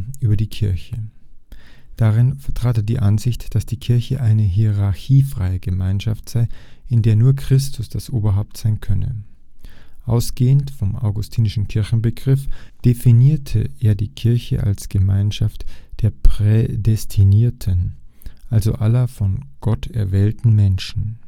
Über die Kirche). Darin vertrat er die Ansicht, dass die Kirche eine hierarchiefreie Gemeinschaft sei, in der nur Christus das Oberhaupt sein könne. Ausgehend vom augustinischen Kirchenbegriff, definierte er die Kirche als Gemeinschaft der Prädestinierten, also aller von Gott erwählten Menschen